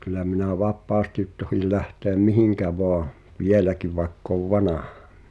kyllä minä vapaasti tohdin lähteä mihin vain vieläkin vaikka olen vanha